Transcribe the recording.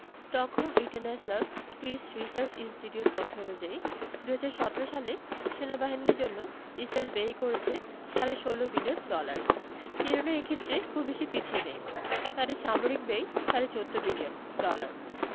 Stockholm international peace research institute তথ্য অনুযায়ী ২০১৭ সালে সেনাবাহিনীর জন্য ইসরায়েল ব্যয় করেছে সাড়ে ১৬ বিলিয়ন ডলার ইরানও এ ক্ষেত্রে খুব বেশি পিছিয়ে নেই তাদের সামরিক ব্যয় সাড়ে ১৪ বিলিয়ন ডলার